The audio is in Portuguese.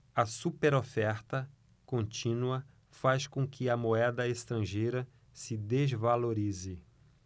a superoferta contínua faz com que a moeda estrangeira se desvalorize